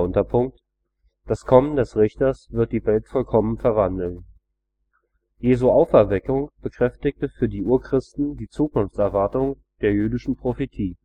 Das Kommen des Richters wird die Welt vollkommen verwandeln Jesu Auferweckung bekräftigte für die Urchristen die Zukunftserwartung der jüdischen Prophetie